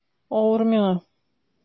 Авыр миңа...